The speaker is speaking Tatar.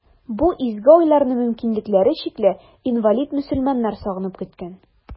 Бу изге айларны мөмкинлекләре чикле, инвалид мөселманнар сагынып көткән.